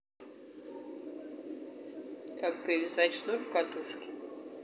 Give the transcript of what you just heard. как привязать шнур к катушке